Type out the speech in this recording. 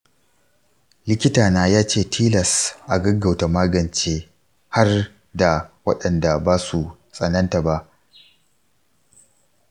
likitana ya ce tilas a gaggauta magance har da waɗanda basu tsananta ba.